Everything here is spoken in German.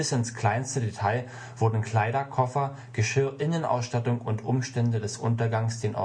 ins kleinste Detail wurden Kleider, Koffer, Geschirr, Innenausstattung und Umstände des Untergangs den